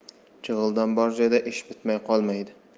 jig'ildon bor joyda ish bitmay qolmaydi